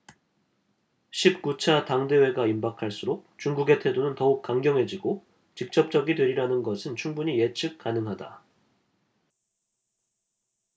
십 구 차 당 대회가 임박할수록 중국의 태도는 더욱 강경해지고 직접적이 되리리라는 것은 충분히 예측 가능하다